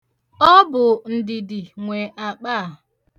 Ọ bụ Ndidi nwe akpa a.